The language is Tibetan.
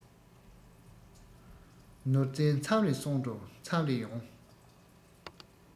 ནོར རྗས མཚམས རེ སོང འགྲོ མཚམས རེ ཡོང